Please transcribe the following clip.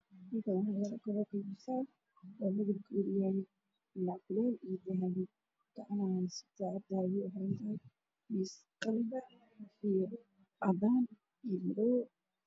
Waa labo kabood oo midabkooda yahay cadays